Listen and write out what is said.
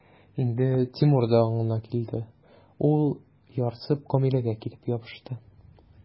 Инде Тимур да аңына килде, ул, ярсып, Камилгә килеп ябышты.